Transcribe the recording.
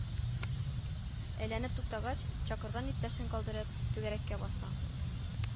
Әйләнеп туктагач, чакырган иптәшен калдырып, түгәрәккә баса